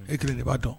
E tile de b'a dɔn